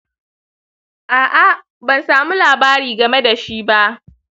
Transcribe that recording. aa, ban samu labari game dashi ba.